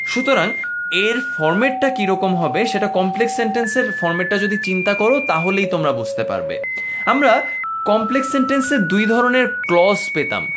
সুতরাং এর ফরম্যাট টা কি রকম হবে সেটা কমপ্লেক্স সেন্টেন্স এর ফরম্যাট টা যদি চিন্তা কর তাহলে তোমরা বুঝতে পারবে আমরা কম্প্লেক্স সেন্টেন্সে দুই ধরনের ক্লস পেতাম